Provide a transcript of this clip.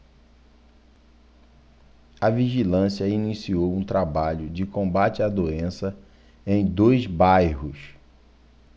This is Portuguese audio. a vigilância iniciou um trabalho de combate à doença em dois bairros